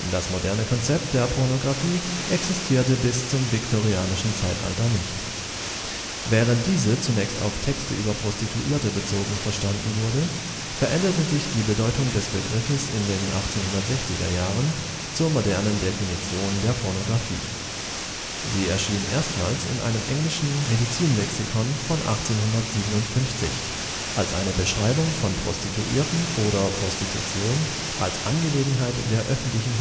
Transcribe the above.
Das moderne Konzept der Pornografie existierte bis zum viktorianischen Zeitalter nicht. Während diese zunächst auf Texte über Prostituierte bezogen verstanden wurde, veränderte sich die Bedeutung des Begriffs in den 1860er Jahren zur modernen Definition der Pornografie. Sie erschien erstmals in einem englischen Medizinlexikon von 1857 als „ eine Beschreibung von Prostituierten oder Prostitution als Angelegenheit der öffentlichen Hygiene